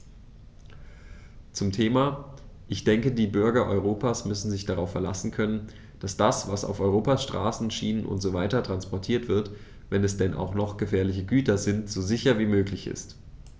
Zum Thema: Ich denke, die Bürger Europas müssen sich darauf verlassen können, dass das, was auf Europas Straßen, Schienen usw. transportiert wird, wenn es denn auch noch gefährliche Güter sind, so sicher wie möglich ist.